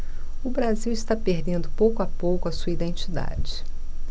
o brasil está perdendo pouco a pouco a sua identidade